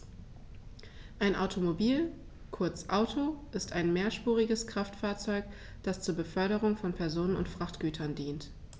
Ein Automobil, kurz Auto, ist ein mehrspuriges Kraftfahrzeug, das zur Beförderung von Personen und Frachtgütern dient.